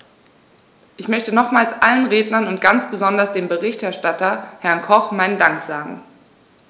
Ich möchte nochmals allen Rednern und ganz besonders dem Berichterstatter, Herrn Koch, meinen Dank sagen.